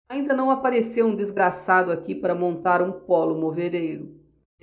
ainda não apareceu um desgraçado aqui para montar um pólo moveleiro